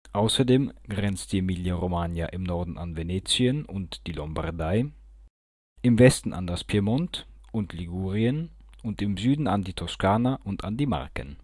Außerdem grenzt die Emilia-Romagna im Norden an Venetien und die Lombardei, im Westen an das Piemont und Ligurien und im Süden an die Toskana und an die Marken